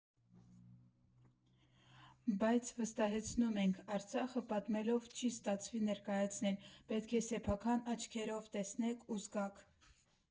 Բայց վստահեցնում ենք՝ Արցախը պատմելով չի ստացվի ներկայացնել, պետք է սեփական աչքերով տեսնեք ու զգաք։